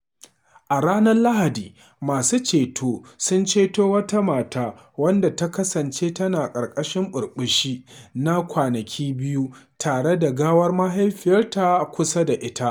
A ranar Lahadi, masu ceto sun ceto wata mata wanda ta kasance tana ƙarƙashin burbushi na kwanaki biyu tare da gawar mahaifiyarta kusa da ita.